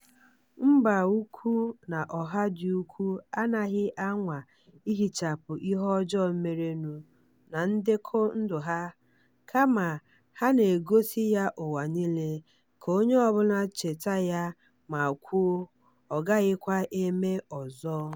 Mba úkwú na ọha dị úkwù anaghị anwa ihichapụ ihe ọjọọ merenụ na ndekọ ndụ ha kama ha na-egosi ya ụwa niile ka onye ọ bụla cheta ya ma kwuo "Ọ GAGHỊKWA EME ỌZỌ".